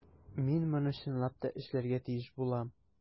Мин моны чынлап та эшләргә тиеш булам.